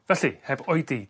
Felly heb oedi